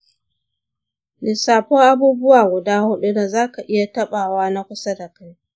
lissafo abubuwa guda huɗu da za ka iya taɓawa na kusa da kai.